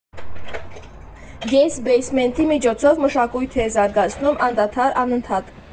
«Ես «Բեյսմենթի» միջոցով մշակույթ էի զարգացնում, անդադար, անընդհատ։